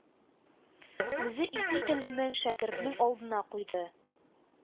Үзе ипи телемен шәкертнең алдына куйды.